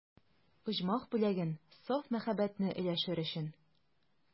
Оҗмах бүләген, саф мәхәббәтне өләшер өчен.